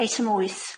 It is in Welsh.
Eitem wyth.